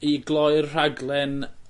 i gloi'r rhaglen